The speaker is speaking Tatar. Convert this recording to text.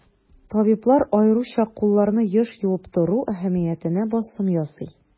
Табиблар аеруча кулларны еш юып тору әһәмиятенә басым ясый.